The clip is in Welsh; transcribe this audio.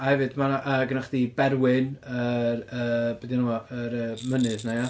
a hefyd, ma' 'na... a gynna chdi Berwyn, yr yy be 'di enw fo yr yy mynydd 'na ia?